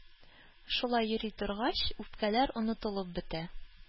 Шулай йөри торгач үпкәләр онытылып бетә.